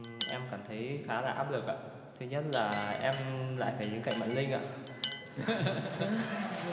ừ em cảm thấy khá là áp lực ạ thứ nhất là em lại phải đứng cạnh bạn linh ạ ạ